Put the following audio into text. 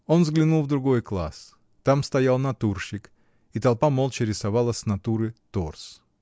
Он заглянул в другой класс: там стоял натурщик, и толпа молча рисовала с натуры торс.